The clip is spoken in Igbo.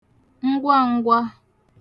ngwangwa